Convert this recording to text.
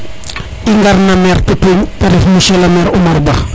i ngar no maire tutuñ te ref monsieur maire Omar Ba